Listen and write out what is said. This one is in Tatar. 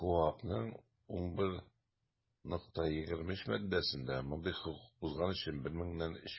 КоАП 11.23 маддәсендә мондый хокук бозган өчен 1 меңнән 3